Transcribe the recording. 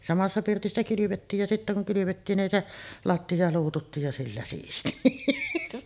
samassa pirtissä kylvettiin ja sitten kun kylvettiin niin se lattia luututtiin ja sillä siisti